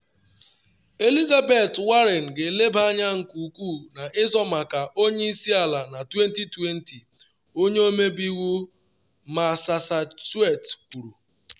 Elizabeth Warren “Ga-elebe Anya Nke Ukwuu” Na Ịzọ Maka Onye Isi Ala na 2020, Onye Ọmebe Iwu Massachusetts Kwuru